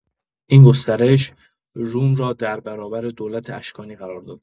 این گسترش، روم را در برابر دولت اشکانی قرار داد.